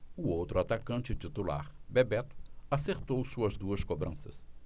o outro atacante titular bebeto acertou suas duas cobranças